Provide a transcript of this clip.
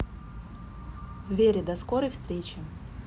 звери до скорой встречи